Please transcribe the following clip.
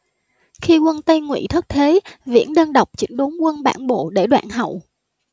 khi quân tây ngụy thất thế viễn đơn độc chỉnh đốn quân bản bộ để đoạn hậu